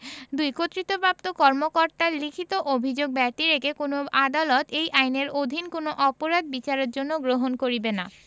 ২ কর্তৃত্বপ্রাপ্ত কর্মকর্তার লিখিত অভিযোগ ব্যতিরেকে কোন আদালত এই আইনের অধীন কোন অপরাধ বিচারের জন্য গ্রহণ করিবে না